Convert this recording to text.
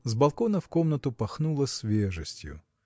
С балкона в комнату пахнуло свежестью.